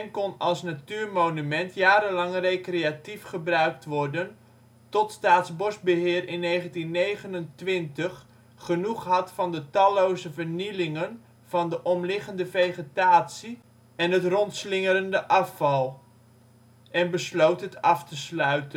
kon als natuurmonument jarenlang recreatief gebruikt worden, tot Staatsbosbeheer in 1929 genoeg had van de talloze vernielingen van de omliggende vegetatie en het rondslingerende afval, en besloot het af te sluiten